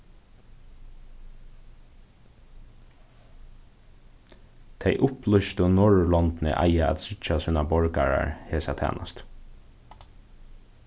tey upplýstu norðurlondini eiga at tryggja sínar borgarar hesa tænastu